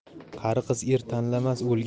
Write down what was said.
qari qiz er tanlamas